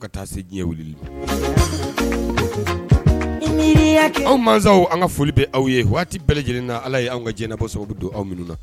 Ka taa se diɲɛ wuli li ma. Anw masaw an ka foli bɛ aw ye waati bɛɛ lajɛlen na ala yan ka diɲɛ labɔ sababu don aw minnu na